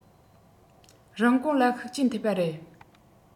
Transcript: རིན གོང ལ ཤུགས རྐྱེན ཐེབས པ རེད